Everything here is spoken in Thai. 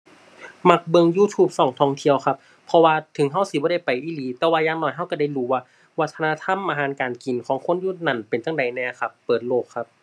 มักเบิ่ง YouTube ช่องท่องเที่ยวครับ เพราะว่าถึงช่องสิบ่ได้ไปอีหลีแต่ว่าอย่างน้อยช่องช่องได้รู้ว่าวัฒนธรรม อาหารการกิน ของคนอยู่นั่นเป็นจั่งใดแหน่ครับ เปิดโลกครับ